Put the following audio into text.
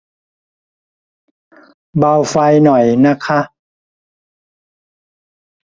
เบาไฟหน่อยนะคะ